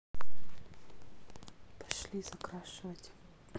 пошли закрашивать